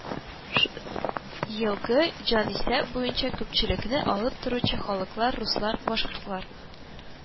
Елгы җанисәп буенча күпчелекне алып торучы халыклар: руслар , башкортлар